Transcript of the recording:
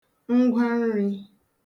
ngwanrī